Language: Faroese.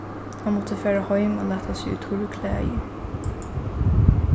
hann mátti fara heim at lata seg í turr klæðir